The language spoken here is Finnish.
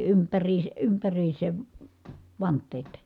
- ympäriinsä vanteet